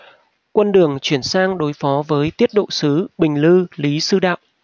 quân đường chuyển sang đối phó với tiết độ sứ bình lư lý sư đạo